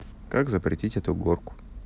как запретить эту горку